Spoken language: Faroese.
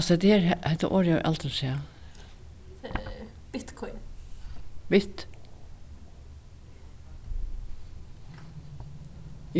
altso hetta her hetta orðið havi eg aldrin sæð